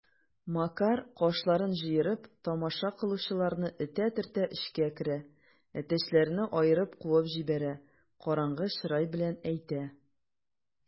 Макар, кашларын җыерып, тамаша кылучыларны этә-төртә эчкә керә, әтәчләрне аерып куып җибәрә, караңгы чырай белән әйтә: